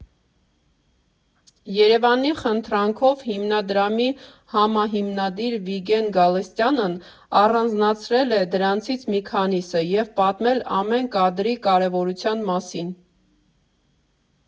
ԵՐԵՎԱՆի խնդրանքով հիմնադրամի համահիմնադիր Վիգեն Գալստյանն առանձնացրել է դրանցից մի քանիսը և պատմել ամեն կադրի կարևորության մասին։